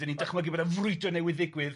dan ni'n dychmygu bod y frwydr newydd ddigwydd.